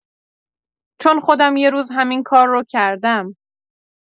چون خودم یه روز همین کار رو کردم.